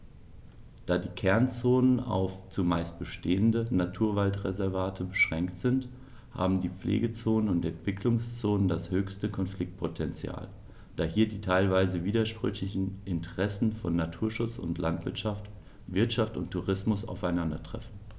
Da die Kernzonen auf – zumeist bestehende – Naturwaldreservate beschränkt sind, haben die Pflegezonen und Entwicklungszonen das höchste Konfliktpotential, da hier die teilweise widersprüchlichen Interessen von Naturschutz und Landwirtschaft, Wirtschaft und Tourismus aufeinandertreffen.